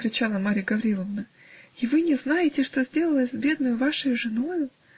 -- закричала Марья Гавриловна, -- и вы не знаете, что сделалось с бедной вашею женою?